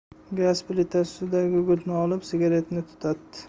gaz plitasi ustidagi gugurtni olib sigaretni tutatdi